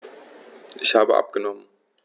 Ich habe abgenommen.